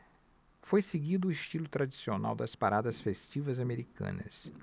foi seguido o estilo tradicional das paradas festivas americanas